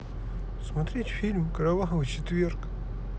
смотреть фильм кровавый четверг